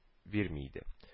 Бирми иде